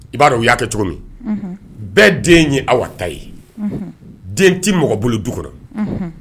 I b'a dɔn u y' kɛ cogo min, unhun, bɛɛ den ye Awa ta ye, unhun, den tɛ mɔgɔ bolo du kɔnɔ, unhun